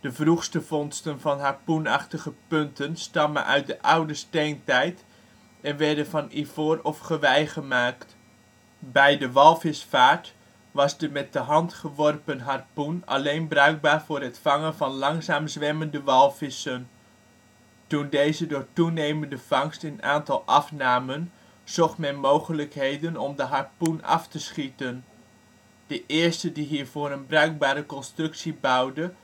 vroegste vondsten van harpoenachtige punten stammen uit de Oude Steentijd en werden van ivoor of gewei gemaakt. Bij de walvisvaart was de met de hand geworpen harpoen alleen bruikbaar voor het vangen van langzaam zwemmende walvissen. Toen deze door toenemende vangst in aantal afnamen, zocht men mogelijkheden om de harpoen af te schieten. De eerste die hiervoor een bruikbare constructie bouwde